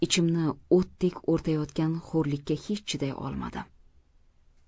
ichimni o'tdek o'rtayotgan xo'rlikka hech chiday olmadim